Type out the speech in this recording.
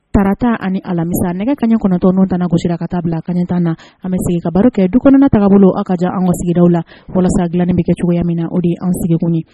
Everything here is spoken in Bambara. Tata ani alamisa nɛgɛ kaɲɛ kɔnɔtɔnw tɛna kosira ka taa bila a kantan na an bɛ se ka baro kɛ du kɔnɔ taga bolo aw ka jan an sigiw la walasa dilannen bɛ kɛ cogoya min na o de ye an sigikun